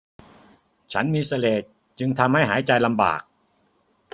ฉันมีเสลดจึงทำให้หายใจลำบาก